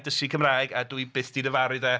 Dysgu Cymraeg, a dwi byth 'di difaru de.